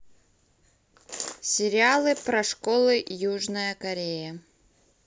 сериалы про школы южная корея